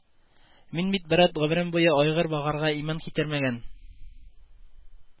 Мин бит, брат, гомерем буе айгыр багарга иман китермәгән